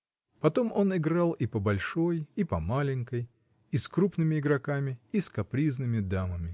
Потом он играл и по большой, и по маленькой, и с крупными игроками, и с капризными дамами.